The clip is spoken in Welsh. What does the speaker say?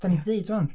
Dan ni 'di deud ŵan.